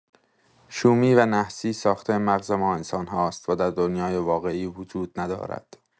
شومی و نحسی ساخته مغز ما انسان‌هاست و در دنیای واقعی وجود ندارد.